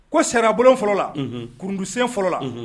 Ko sirayabolo fɔlɔ la kunrunkun siyɛ fɔlɔ la, unhun.